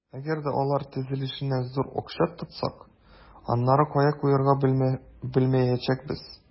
Әгәр дә алар төзелешенә зур акча тотсак, аннары кая куярга белмәячәкбез.